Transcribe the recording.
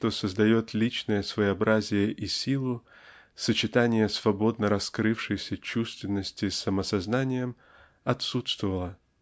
что создает личное своеобразие и силу--сочетание свободно раскрывшейся чувственности с самосознанием -- отсутствовало?